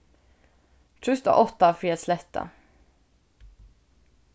trýst á átta fyri at sletta